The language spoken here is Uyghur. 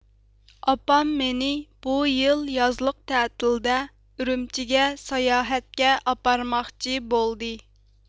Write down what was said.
ئاپام مېنى بۇ يىل يازلىق تەتىلدە ئۈرۈمچىگە ساياھەتكە ئاپارماقچى بولدى